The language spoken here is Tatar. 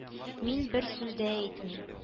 Мин бер сүз дә әйтмим